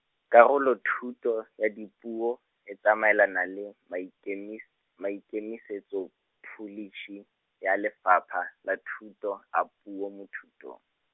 Karolothuto, ya Dipuo, e tsamaelana le, maikemi- maikemisetsopholisi, ya Lefapha, la Thuto a puo mo thutong.